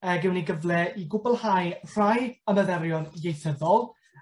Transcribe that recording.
yy gewn ni gyfle i gwbwlhau rhai ymarferion ieithyddol,